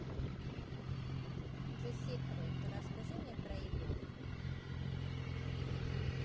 the secret расскажи мне про еду